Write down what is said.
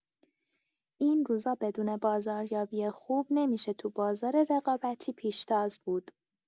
این روزا بدون بازاریابی خوب، نمی‌شه تو بازار رقابتی پیشتاز بود.